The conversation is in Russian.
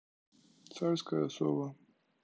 царская особа